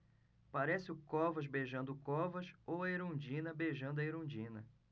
parece o covas beijando o covas ou a erundina beijando a erundina